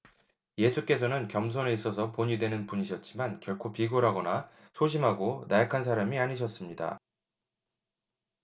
예수께서는 겸손에 있어서 본이 되는 분이셨지만 결코 비굴하거나 소심하고 나약한 사람이 아니셨습니다